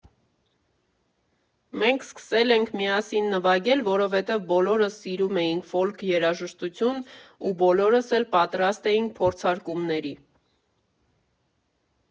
Մենք սկսել ենք միասին նվագել, որովհետև բոլորս սիրում էինք ֆոլք երաժշտություն ու բոլորս էլ պատրաստ էինք փորձարկումների։